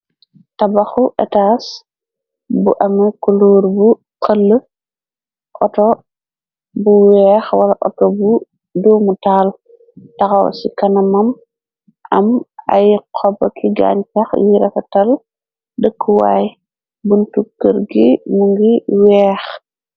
Tabaxu etas bu ame kuluur bu xël, auto bu weex wala auto bu doumu taal, taxaw ci kanamam am ay xoba ki gaañ fex yi rafa tal dëkkuwaay, buntu kër gi mu ngi weex.